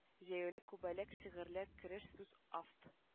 Җәяүле күбәләк шигырьләр кереш сүз авт